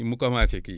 mu commencé kii